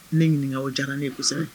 Ne ɲininka o diyara ne ye kosɛbɛ